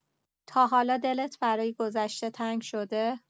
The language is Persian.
تا حالا دلت برای گذشته تنگ شده؟